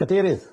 Gadeirydd?